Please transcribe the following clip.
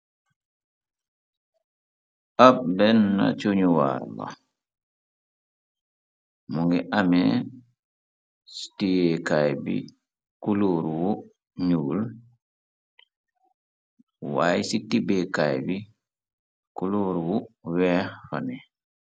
ab ben na coñu waar la mu ngi amee stiekaay bi kuluur wu nuul waaye ci tibekaay bi kuluur wu weex xane